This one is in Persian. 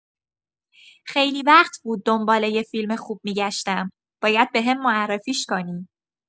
خیلی وقت بود دنبال یه فیلم خوب می‌گشتم، باید بهم معرفیش کنی.